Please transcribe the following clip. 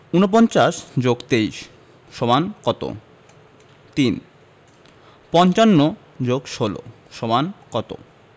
৪৯ যোগ ২৩ সমান কত ৩ ৫৫ যোগ ১৬ সমান কত